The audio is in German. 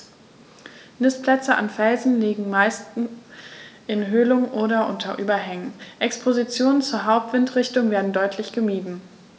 Nistplätze an Felsen liegen meist in Höhlungen oder unter Überhängen, Expositionen zur Hauptwindrichtung werden deutlich gemieden.